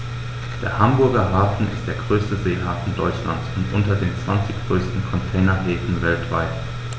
Der Hamburger Hafen ist der größte Seehafen Deutschlands und unter den zwanzig größten Containerhäfen weltweit.